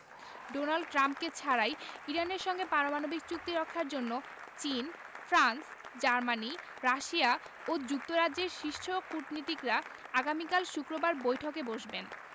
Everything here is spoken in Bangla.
ডোনাল্ড ট্রাম্পকে ছাড়াই ইরানের সঙ্গে পারমাণবিক চুক্তি রক্ষার জন্য চীন ফ্রান্স জার্মানি রাশিয়া ও যুক্তরাজ্যের শীর্ষ কূটনীতিকরা আগামীকাল শুক্রবার বৈঠকে বসবেন